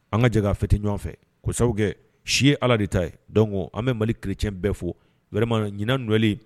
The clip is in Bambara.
An ka jɛ' a fiti ɲɔgɔn fɛ ko sabu kɛ si ala de ta dɔn an bɛ mali kirec bɛɛ fɔ walima ɲininaan nɔgɔlen